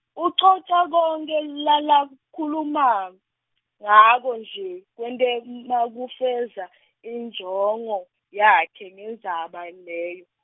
ucoca konkhe lalakhuluma ngako nje wetam- ma kufeza injongo yakhe ngendzaba leyo.